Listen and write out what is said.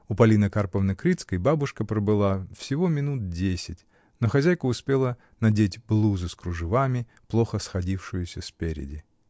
У Полины Карповны Крицкой бабушка пробыла всего минут десять, но хозяйка успела надеть блузу с кружевами, плохо сходившуюся спереди.